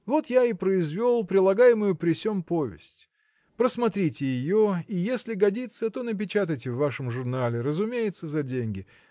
Вот я и произвел прилагаемую при сем повесть. Просмотрите ее и если годится то напечатайте в вашем журнале разумеется за деньги